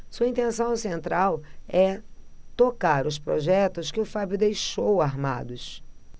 sua intenção central é tocar os projetos que o fábio deixou armados